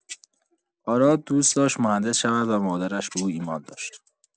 آراد دوست داشت مهندس شود و مادرش به او ایمان داشت.